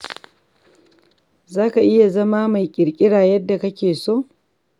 Za ka iya zama mai ƙirƙira yadda kake so.